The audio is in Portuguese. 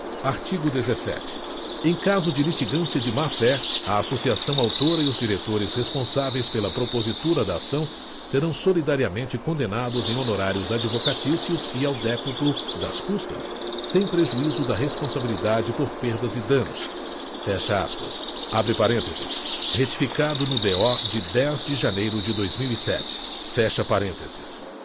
artigo dezessete em caso de litigância de máfé a a associação autora e os diretores responsáveis pela propositura da ação serão solidariamente condenados em honorários advocatícios e ao décuplo das custas sem prejuízo da responsabilidade por perdas e danos fecha aspas abre parênteses retificado no d o de dez de janeiro de dois mil e sete fecha parênteses